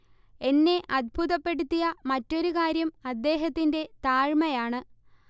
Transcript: എന്നെ അദ്ഭുതപ്പെടുത്തിയ മറ്റൊരു കാര്യം അദ്ദേഹത്തിന്റെ താഴ്മയാണ്